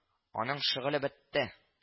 Аның шөгыле бетте